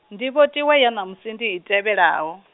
ndivhotiwa ya ṋamusi ndi i tevhelaho.